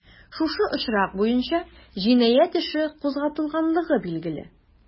Шушы очрак буенча җинаять эше кузгатылганлыгы билгеле.